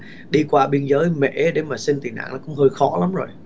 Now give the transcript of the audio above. đi qua biên giới mỹ để mà xin tị nạn nó cũng hơi khó lắm rồi